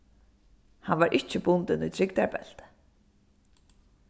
hann var ikki bundin í trygdarbelti